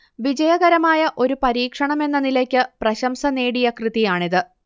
വിജയകരമായ ഒരു പരീക്ഷണമെന്ന നിലയ്ക്ക് പ്രശംസ നേടിയ കൃതിയാണിത്